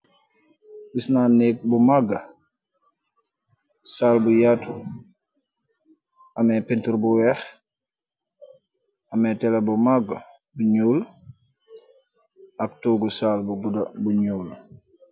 Gisna negg bu mag, saal bu yaatu, ameh peintur bu wekh, ameh tele bu mag bu njull, ak tohgu saal bu guda bu njull.